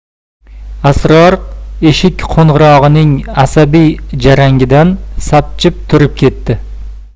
asror eshik qo'ng'irog'ining asabiy jarangidan sapchib turib ketdi